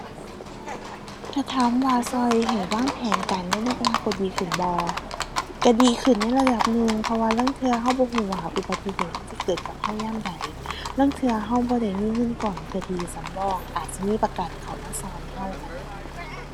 ถ้าถามว่าช่วยให้วางแผนการเงินในอนาคตดีขึ้นบ่ ช่วยดีขึ้นในระดับหนึ่ง เพราะว่าลางเทื่อช่วยบ่ช่วยว่าอุบัติเหตุมันสิเกิดกับช่วยยามใด ลางเทื่อช่วยบ่ได้มีเงินก้อนเพื่อที่จะสำรอง อาจสิมีประกันเข้ามาช่วยช่วยช่วยได้